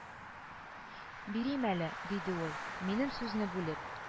Бирим әле, диде ул, минем сүзне бүлеп